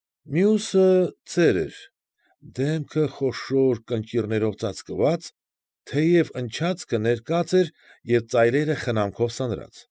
Մյուսը ծեր էր, դեմքը խոշոր կնճիռներով ծածկված, թեև ընչացքը ներկած էր և ծայրերը խնամքով սանրած։